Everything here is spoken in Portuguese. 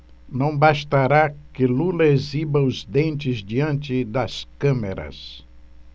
não bastará que lula exiba os dentes diante das câmeras